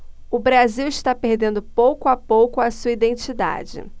o brasil está perdendo pouco a pouco a sua identidade